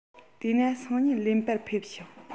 དེ ན སང ཉིན ལེན པར ཕེབས ཤོག